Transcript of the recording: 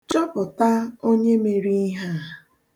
Chọpụta onye mere ihe a.